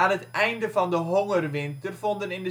het einde van de Hongerwinter vonden in